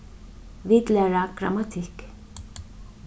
vit læra grammatikk